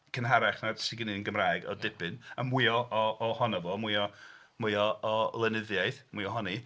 Cynharach na sydd gennym ni yn Gymraeg o dipyn a mwy o- ohono fo, mwy o.... mwy o... o lenyddiaeth, mwy ohoni.